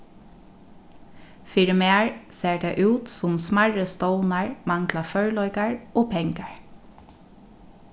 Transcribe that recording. fyri mær sær tað út sum smærri stovnar mangla førleikar og pengar